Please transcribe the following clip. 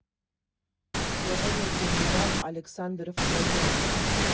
) եղել է գեներալ Ալեքսանդր Ֆրեզեն։